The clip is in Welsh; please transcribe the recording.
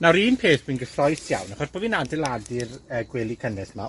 Nawr un peth wi'n gyffrous iawn, achos bo' fi'n adeiladu'r yy gwely cynnes 'ma,